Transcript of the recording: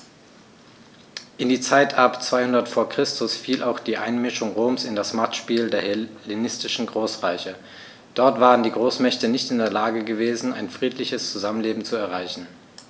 In die Zeit ab 200 v. Chr. fiel auch die Einmischung Roms in das Machtspiel der hellenistischen Großreiche: Dort waren die Großmächte nicht in der Lage gewesen, ein friedliches Zusammenleben zu erreichen.